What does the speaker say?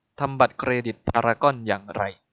ทำบัตรเครดิตพารากอนอย่างไร